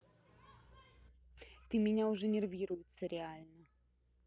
ты меня уже нервируется реально